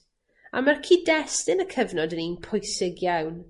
A ma'r cyd-destun y cyfnod yn un pwysig iawn.